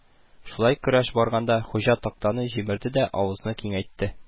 Шулай көрәш барганда, хуҗа тактаны җимерде дә, авызны киңәйтте